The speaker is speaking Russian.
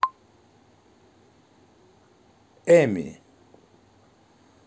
amy